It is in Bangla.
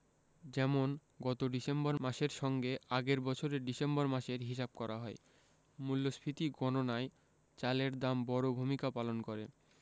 যেমন গত ডিসেম্বর মাসের সঙ্গে আগের বছরের ডিসেম্বর মাসের হিসাব করা হয় মূল্যস্ফীতি গণনায় চালের দাম বড় ভূমিকা পালন করে